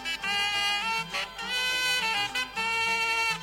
Sanunɛ diɲɛinɛ